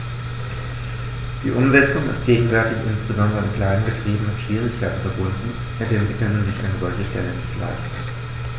Die Umsetzung ist gegenwärtig insbesondere in kleinen Betrieben mit Schwierigkeiten verbunden, denn sie können sich eine solche Stelle nicht leisten.